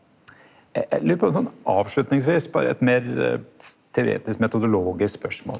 e eg lurer på sånn avslutningsvis berre eit meir teoretisk metodologisk spørsmål.